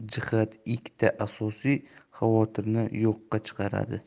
ikkita asosiy xavotirni yo'qqa chiqaradi